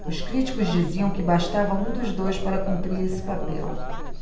os críticos diziam que bastava um dos dois para cumprir esse papel